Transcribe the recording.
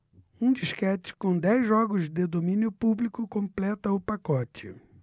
um disquete com dez jogos de domínio público completa o pacote